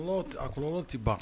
A kolon tɛ ban